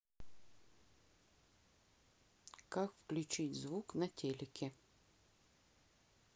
как включить звук на телеке